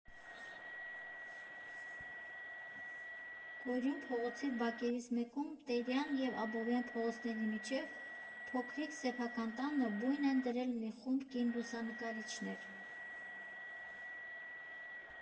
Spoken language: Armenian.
Կորյուն փողոցի բակերից մեկում՝ Տերյան և Աբովյան փողոցների միջև, փոքրիկ սեփական տանը բույն են դրել մի խումբ կին լուսանկարիչներ։